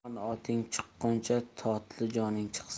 yomon oting chiqquncha totli joning chiqsin